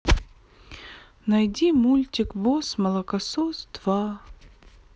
найди мультик босс молокосос два